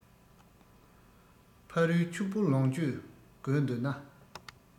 ཕ རོལ ཕྱུག པོ ལོངས སྤྱོད དགོས འདོད ན